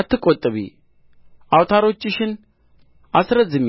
አትቈጥቢ አውታሮችሽን አስረዝሚ